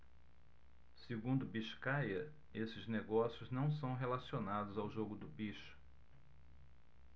segundo biscaia esses negócios não são relacionados ao jogo do bicho